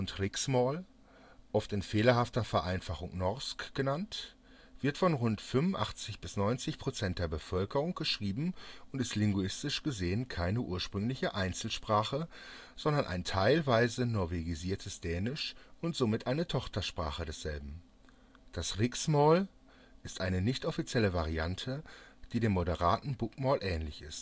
Bokmål/Riksmål, oft in fehlerhafter Vereinfachung Norsk („ Norwegisch “) genannt, wird von rund 85-90 Prozent der Bevölkerung geschrieben und ist linguistisch gesehen keine ursprüngliche Einzelsprache, sondern ein teilweise norwegisiertes Dänisch und somit eine Tochtersprache desselben. Das Riksmål ist eine nicht-offizielle Variante, die dem moderaten Bokmål ähnlich